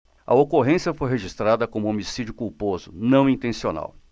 a ocorrência foi registrada como homicídio culposo não intencional